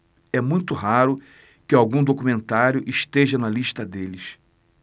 é muito raro que algum documentário esteja na lista deles